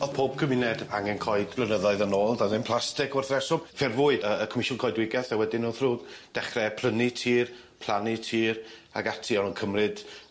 O'dd pob cymuned angen coed blynyddoedd yn ôl doedd ddim plastig wrth reswm ffurfwyd yy y Comisiwn Coedwigeth a wedyn o'dd rhw-dechre prynu tir plannu tir ag ati o'n nw'n cymryd